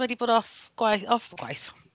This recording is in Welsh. Ma' hi 'di bod off gwaith. *Off gwaith?